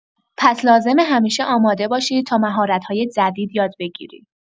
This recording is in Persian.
پس لازمه همیشه آماده باشی تا مهارت‌های جدید یاد بگیری.